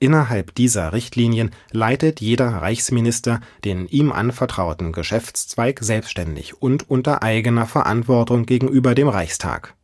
Innerhalb dieser Richtlinien leitet jeder Reichsminister den ihm anvertrauten Geschäftszweig selbständig und unter eigener Verantwortung gegenüber dem Reichstag